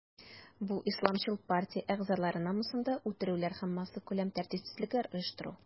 Бу исламчыл партия әгъзалары намусында үтерүләр һәм массакүләм тәртипсезлекләр оештыру.